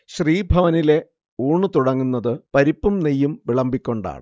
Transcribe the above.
ശ്രീഭവനിലെ ഊണു തുടങ്ങുന്നതു പരിപ്പും നെയ്യും വിളമ്പിക്കൊണ്ടാണ്